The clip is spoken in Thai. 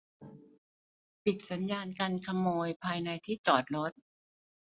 ปิดสัญญาณกันขโมยภายในที่จอดรถ